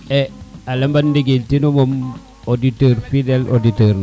e aleɓan dingil tinu moom auditeur fidele auditeur na